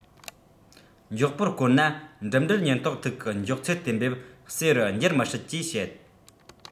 མགྱོགས པོར བསྐོར ན འགྲིམ འགྲུལ ཉེན རྟོག ཐིག གི མགྱོགས ཚད གཏན འབེབ རུ འགྱུར མི སྲིད ཅེས བཤད